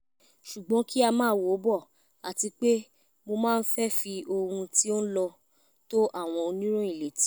Ṣùgbọ́n kí á máa wò bọ̀ àtipé mo máa ń fẹ́ fi ohun tí ó ńlọ tó àwọn oníròyìn létí.